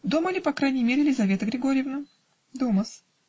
"Дома ли по крайней мере Лизавета Григорьевна?" -- "Дома-с".